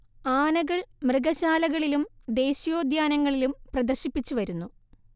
ആനകൾ മൃഗശാലകളിലും ദേശീയോദ്യാനങ്ങളിലും പ്രദർശിപ്പിച്ചുവരുന്നു